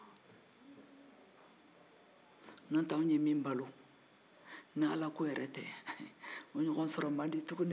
n'o tɛ anw ye min balo ni alako yɛrɛ tɛ o ɲɔgɔn sɔrɔ man di tugun dɛ